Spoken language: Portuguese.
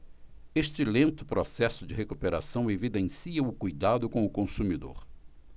este lento processo de recuperação evidencia o cuidado com o consumidor